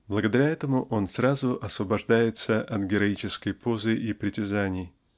Благодаря этому он сразу освобождается от героической позы и притязаний.